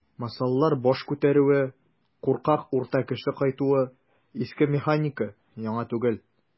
"массалар баш күтәрүе", куркак "урта кеше" кайтуы - иске механика, яңа түгел.